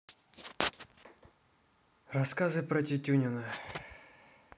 рассказы про титюнина